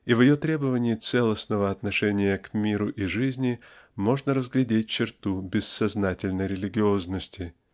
и в ее требовании целостного отношения к миру и жизни можно разглядеть черту бессознательной религиозности.